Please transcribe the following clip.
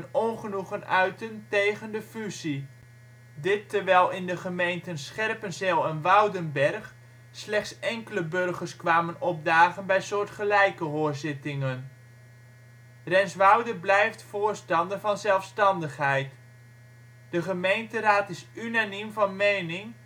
ongenoegen uitten tegen de fusie. Dit terwijl in de gemeenten Scherpenzeel en Woudenberg slechts enkele burgers kwamen opdagen bij soortgelijke hoorzittingen. Renswoude blijft voorstander van zelfstandigheid. De gemeenteraad is unaniem van mening